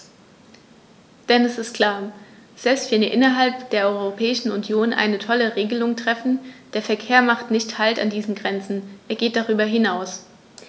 Denn es ist klar: Selbst wenn wir innerhalb der Europäischen Union eine tolle Regelung treffen, der Verkehr macht nicht Halt an diesen Grenzen, er geht darüber hinaus.